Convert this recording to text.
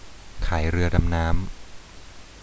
ขายเรือดำน้ำ